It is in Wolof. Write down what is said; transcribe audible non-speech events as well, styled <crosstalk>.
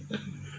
<hesitation> <hesitation>